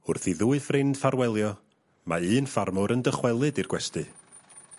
Wrth i ddwy ffrind ffarwelio mae un ffarmwr yn dychwelyd i'r gwesty.